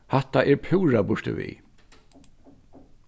hatta er púra burturvið